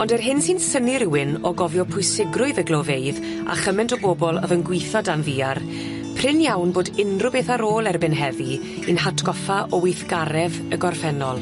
Ond yr hyn sy'n synnu rywun o gofio pwysigrwydd y glofeydd a chyment o bobol o'dd yn gwitho dan ddiar prin iawn bod unryw beth ar ôl erbyn heddi i'n hatgoffa o weithgaredd y gorffennol.